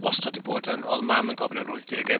wastad 'di bod yn... Wel oedd mam yn gofyn yn yr wythdegau.